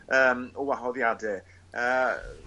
yym o wahoddiade. Yy.